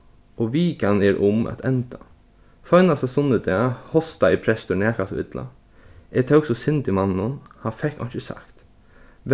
og vikan er um at enda seinasta sunnudag hostaði prestur nakað so illa eg tók so synd í manninum hann fekk einki sagt